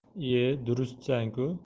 ie durustsanku